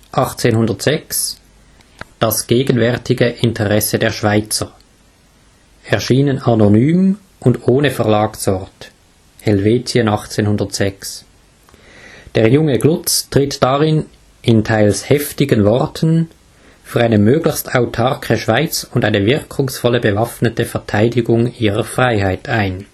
1806 „ Das gegenwärtige Interesse der Schweizer “, erschienen anonym und ohne Verlagsort („ Helvetien, 1806 “). Der junge Glutz tritt darin in teils heftigen Worten für eine möglichst autarke Schweiz und eine wirkungsvolle bewaffnete Verteidigung ihrer Freiheit ein